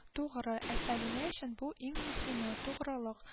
Тугры. Ә Сәлимә өчен бу — иң мөһиме. Тугрылык